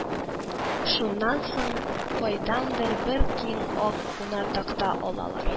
Аннан соң эчләрен ярып, йөрәкләрен, бавырларын табакка тезәләр